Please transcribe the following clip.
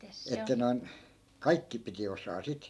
että noin kaikki piti osata sitten